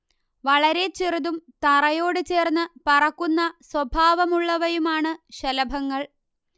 വളരെ ചെറുതും തറയോടു ചേർന്ന് പറക്കുന്ന സ്വഭാവമുള്ളവയുമാണ് ശലഭങ്ങൾ